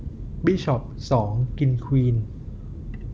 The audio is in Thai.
บิชอปสองกินควีน